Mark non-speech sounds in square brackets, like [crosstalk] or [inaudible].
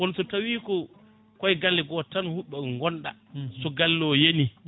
kono so tawi ko koye galle goto tan [hesitation] gonɗa [smacks lips] so galle o yaani